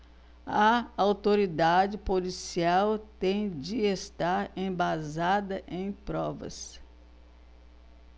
a autoridade policial tem de estar embasada em provas